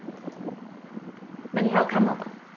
men eg havi kannað tað